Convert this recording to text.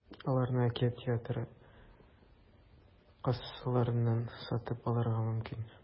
Аларны “Әкият” театры кассаларыннан сатып алырга мөмкин.